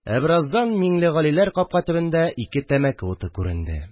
Ә бераздан Миңлегалиләр капка төбендә ике тәмәке уты күренде